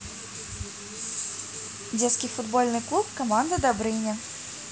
детский футбольный клуб команда добрыня